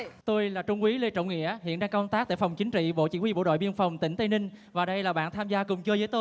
tôi là trung úy lê trọng nghĩa hiện đang công tác tại phòng chính trị bộ chỉ huy bộ đội biên phòng tỉnh tây ninh và đây là bạn tham gia cùng chơi với tôi